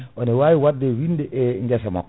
ene wawi wadde wide e guessa makko